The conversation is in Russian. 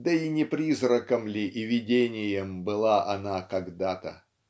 да и не призраком ли и видением была она когда-то?